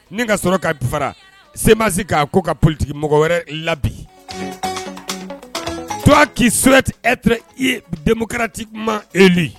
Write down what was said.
Nin ka sɔrɔ kaa bifara sema se k'a ko ka politigi mɔgɔ wɛrɛ labi to k'i sirati etr i ye denmusokarati ma eli